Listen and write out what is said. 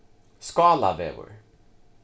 skálavegur